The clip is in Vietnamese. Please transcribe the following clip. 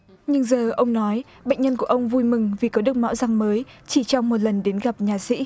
nhưng giờ ông nói bệnh nhân của ông vui mừng vì có được mẫu răng mới chỉ trong một lần đến gặp nha sĩ